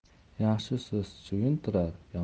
yaxshi so'z suyuntirar